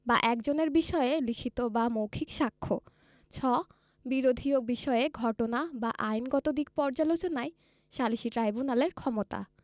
বা এজনের বিষয়ে লিখিত বা মৌখিক সাক্ষ্য ছ বিরোধীয় বিষয়ে ঘটনা বা আইনগত দিক পর্যালোচনায় সালিসী ট্রাইব্যুনালের ক্ষমতা